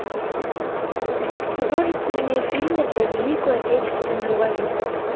художественные фильмы про великую отечественную войну